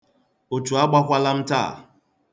Ụchụ agbakwala m taa.